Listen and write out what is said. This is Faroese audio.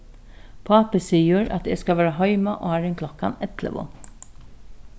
pápi sigur at eg skal vera heima áðrenn klokkan ellivu